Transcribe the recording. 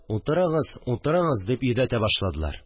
«утырыгыз, утырыгыз!» – дип йөдәтә башладылар